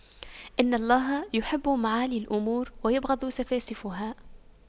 إن الله يحب معالي الأمور ويبغض سفاسفها